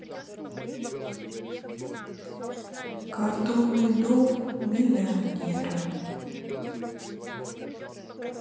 картонный дом миллионера